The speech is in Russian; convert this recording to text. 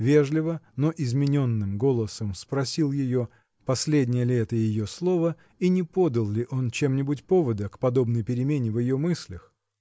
вежливо, но измененным голосом спросил ее: последнее ли это ее слово и не подал ли он чемнибудь повода к подобной перемене в ее мыслях?